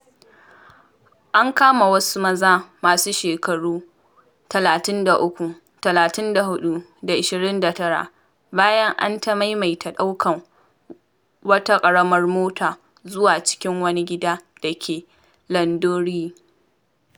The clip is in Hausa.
An kama wasu maza, masu shekaru 33, 34 da 29, bayan an ta maimaita ɗaukan wata ƙaramar mota zuwa cikin wani gida da ke Londonderry.